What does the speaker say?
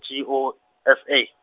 G O, S A.